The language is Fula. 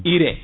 IRE